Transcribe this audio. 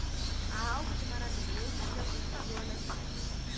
há algo de maravilhoso e de assustador nessa idéia